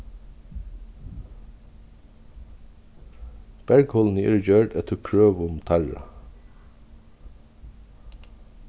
bergholini eru gjørd eftir krøvum teirra